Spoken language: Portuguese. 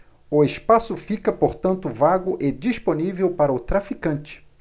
o espaço fica portanto vago e disponível para o traficante